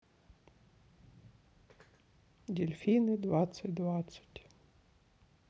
дельфины двадцать двадцать